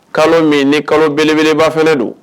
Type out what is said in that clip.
Kalo min ni kalo belebelebaf don